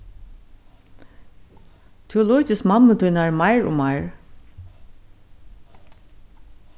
tú líkist mammu tínari meir og meir